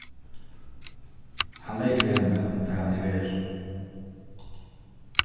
hann leyg fyri henni um hvar hann hevði verið